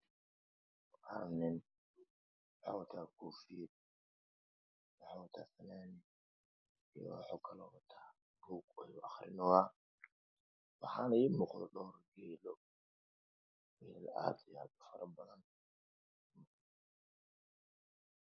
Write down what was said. Waa nin wataa koofi fananad buug wax Ii muuqda show kiilo meel aad ufaro badan